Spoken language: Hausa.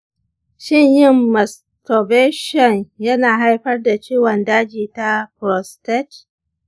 shin yin masturbation yana haifar da ciwon daji ta prostate?